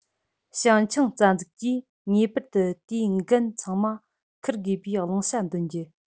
བྱང ཆིངས རྩ འཛུགས ཀྱིས ངེས པར དུ དེའི འགན ཚང མ འཁུར དགོས པའི བླང བྱ འདོན རྒྱུ